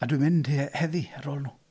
A dwi'n mynd heddi ar ôl nhw.